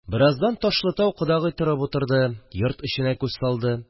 Бераздан Ташлытау кодагый торып утырды, йорт эченә күз салды